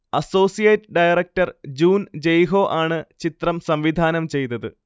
associate director ജൂൻ ജയ്ഹോ ആണ് ചിത്രം സംവിധാനം ചെയ്തത്